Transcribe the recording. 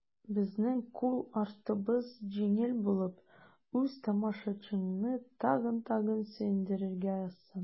Безнең кул артыбыз җиңел булып, үз тамашачыңны тагын-тагын сөендерергә язсын.